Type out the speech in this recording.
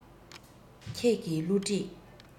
ཁྱེད ཀྱི བསླུ བྲིད